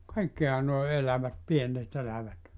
kaikkihan nuo elävät pienet elävät